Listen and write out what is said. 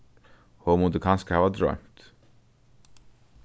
hon mundi kanska hava droymt